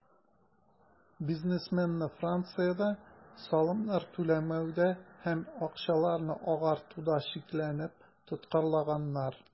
Бизнесменны Франциядә салымнар түләмәүдә һәм акчаларны "агартуда" шикләнеп тоткарлаганнар.